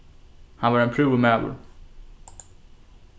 hann var ein prúður maður